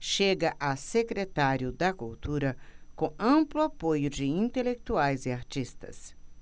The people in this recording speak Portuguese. chega a secretário da cultura com amplo apoio de intelectuais e artistas